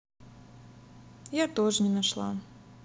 я тоже не нашла